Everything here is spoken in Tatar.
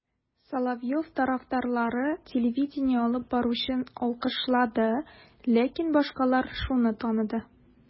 Соловьев тарафдарлары телевидение алып баручысын алкышлады, ләкин башкалар шуны таныды: